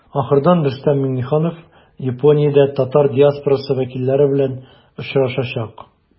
Ахырдан Рөстәм Миңнеханов Япониядә татар диаспорасы вәкилләре белән очрашачак.